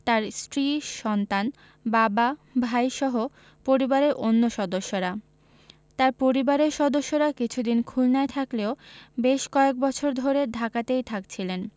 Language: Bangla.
তাঁর স্ত্রী সন্তান বাবা ভাইসহ পরিবারের অন্য সদস্যরা তাঁর পরিবারের সদস্যরা কিছুদিন খুলনায় থাকলেও বেশ কয়েক বছর ধরে ঢাকাতেই থাকছিলেন